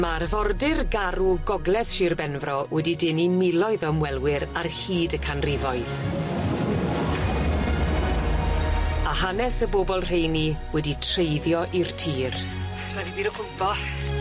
Ma' arfordir garw gogledd Shir Benfro wedi denu miloedd o ymwelwyr ar hyd y canrifoedd. A hanes y bobol rheini wedi treiddio i'r tir. Rhaid fi bido cwmpo!